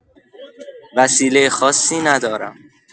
وسیله خاصی ندارم!